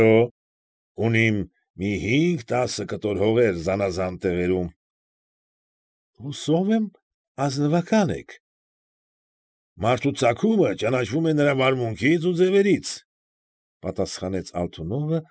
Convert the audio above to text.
Այո, ունիմ մի հինգ֊տասը կտոր հողեր զանազան տեղերում։ ֊ Հուսով եմ և ազնվակա՞ն եք։ ֊ Մարդու ծագումը ճանաչվում է նրա վարմունքից ու ձևերից,֊ պատասխանեց Տարաշչենկոն։